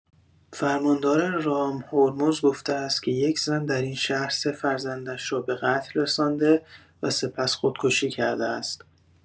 فرماندار رامهرمز گفته است که یک زن در این شهر سه فرزندش را به قتل رسانده و سپس خودکشی کرده است.